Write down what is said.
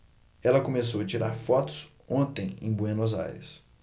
ela começou a tirar fotos ontem em buenos aires